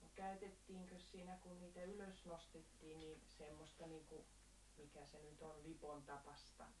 käytettiinkös siinä kun niitä ylös nostettiin niin semmoista niin kuin mikä se nyt on lipontapaista